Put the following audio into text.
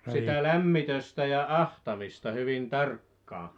sitä lämmitystä ja ahtamista hyvin tarkkaan